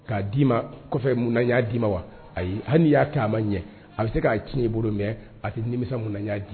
K'a d'i ma kɔfɛ muna n y 'a d'i ma wa? hali n'i y'a kɛ n'a ma ɲɛ, a bɛ se k'a tiɲɛɲɛn i bolo, mɛ a tɛ nimisa muna n y'a di i ma!